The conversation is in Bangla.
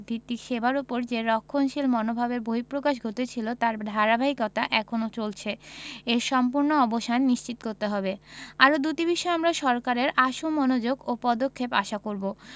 ভিত্তিক সেবার ওপর যে রক্ষণশীল মনোভাবের বহিঃপ্রকাশ ঘটেছিল তার ধারাবাহিকতা এখনো চলছে এর সম্পূর্ণ অবসান নিশ্চিত করতে হবে আরও দুটি বিষয়ে আমরা সরকারের আশু মনোযোগ ও পদক্ষেপ আশা করব